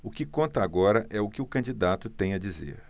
o que conta agora é o que o candidato tem a dizer